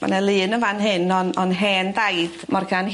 Ma' 'na lun yn fan hyn o'n o'n hen daid...